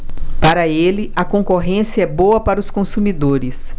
para ele a concorrência é boa para os consumidores